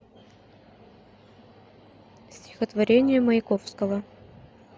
стихотворение маяковского